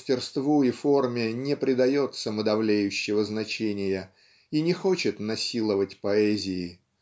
мастерству и форме не придает самодовлеющего значения и не хочет насиловать поэзии